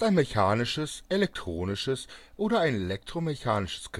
mechanisches, elektronisches, oder ein elektro-mechanisches